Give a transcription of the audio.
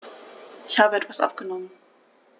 Ich habe etwas abgenommen.